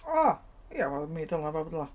O, ia wel mi ddylai fod dyla?